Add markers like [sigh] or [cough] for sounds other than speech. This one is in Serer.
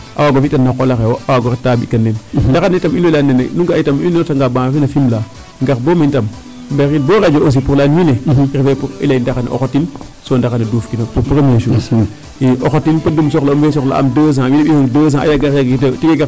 A waago fi'tan na xa qol axe wo' a waag o reta [unintelligible] ndaxar ne yitam in way layan nene nu nga'a itam i inoortanga baa mene Fimela ngar boo mene itam ngariid bo radio aussi pour laya nuun ee refee pour o layin ta xen o xotin .Too ndaxar ne duufkino pour premier chose o xotin mais podnum soxla'o we soxla'aam 200 wiin we ɓisiid 200 a yagar yagariidooyo.